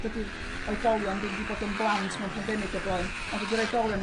dydi'r oedolion ddim 'di bod yn blant mewn pandemig o'blaen ond dydi'r oedolion ddim